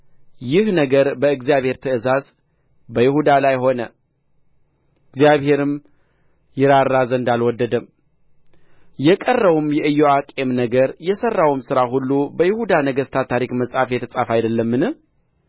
ይህ ነገር በእግዚአብሔር ትእዛዝ በይሁዳ ላይ ሆነ እግዚአብሔርም ይራራ ዘንድ አልወደደም የቀረውም የኢዮአቄም ነገር የሠራውም ሥራ ሁሉ በይሁዳ ነገሥታት ታሪክ መጽሐፍ የተጻፈ አይደለምን